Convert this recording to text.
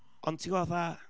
ond ti'n gwbod, fatha,